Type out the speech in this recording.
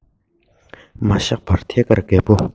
མ བཞག པར ཐད ཀར རྒད པོ